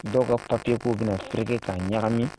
Dɔw papi k'u bɛnaur ka ɲaga min